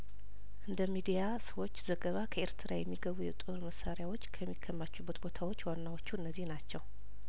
እንደ ሚዲያሰዎች ዘገባ ከኤርትራ የሚገቡ የጦር መሳሪያዎች ከሚከማቹበት ቦታዎች ዋናዎቹ እነዚህ ናቸው